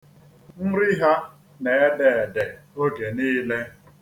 Nri ha na-ede ede oge niile.